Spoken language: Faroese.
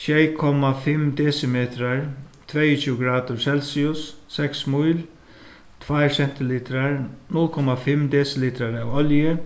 sjey komma fimm desimetrar tveyogtjúgu gradir celsius seks míl tveir sentilitrar null komma fimm desilitrar av olju